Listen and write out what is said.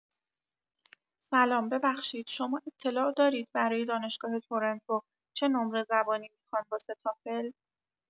سلام ببخشید شما اطلاع دارید برای دانشگاه ترنتو چه نمره زبانی میخوان واسه تافل؟